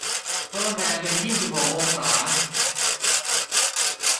เพิ่มแอร์เป็นยี่สิบหกองศา